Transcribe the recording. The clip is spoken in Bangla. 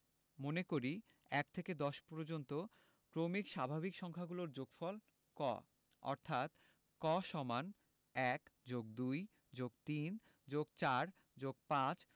মনে করি ১ থেকে ১০ পর্যন্ত ক্রমিক স্বাভাবিক সংখ্যাগুলোর যোগফল ক অর্থাৎ ক = ১+২+৩+৪+৫